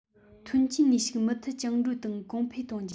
ཐོན སྐྱེད ནུས ཤུགས མུ མཐུད བཅིངས འགྲོལ དང གོང འཕེལ གཏོང རྒྱུ